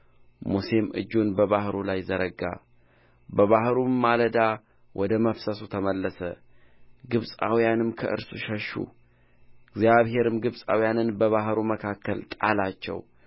ሙሴም እጁን በባሕሩ ላይ ዘረጋ ባሕሩም ማለዳ ወደ መፍሰሱ ተመለሰ ግብፃውያንም ከእርሱ ሸሹ እግዚአብሔርም ግብፃውያንን በባሕሩ መካከል ጣላቸው